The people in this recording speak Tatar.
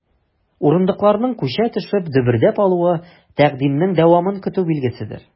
Урындыкларның, күчә төшеп, дөбердәп алуы— тәкъдимнең дәвамын көтү билгеседер.